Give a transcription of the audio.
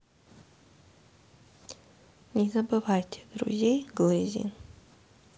не забывайте друзей глызин